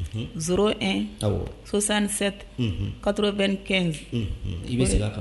Z sosansɛte katooro bɛ ni kɛ i bɛ se ka kan